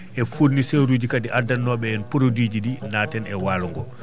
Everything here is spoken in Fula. e fournisseur uji kadi addanoɓe en produit jiɗi naaten e walo ngo